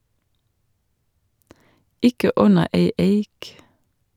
Ikke under ei eik.